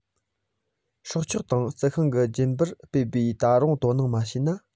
སྲོག ཆགས དང རྩི ཤིང གི རྒྱུད པ སྤེལ པར ད རུང དོ སྣང མ བྱས ན